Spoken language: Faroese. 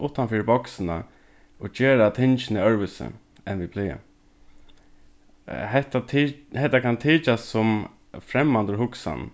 uttan fyri boksina og gera tingini øðrvísi enn vit plaga hetta hetta kann tykjast sum fremmandur hugsan